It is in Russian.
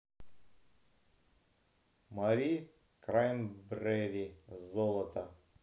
мари краймбрери золото